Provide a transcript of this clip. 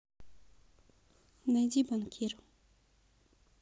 найди банкир